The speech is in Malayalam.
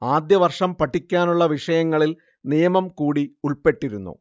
ആദ്യവർഷം പഠിക്കാനുള്ള വിഷയങ്ങളിൽ നിയമം കൂടി ഉൾപ്പെട്ടിരുന്നു